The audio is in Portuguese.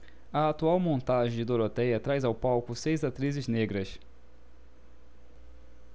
a atual montagem de dorotéia traz ao palco seis atrizes negras